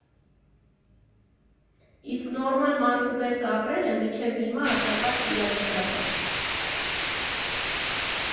Իսկ նորմալ մարդու պես ապրելը մինչև հիմա արտակարգ իրավիճակ ա։